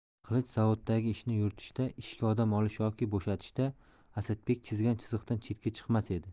qilich zavoddagi ishni yuritishda ishga odam olish yoki bo'shatishda asadbek chizgan chiziqdan chetga chiqmas edi